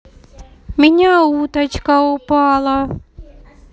меня уточка упала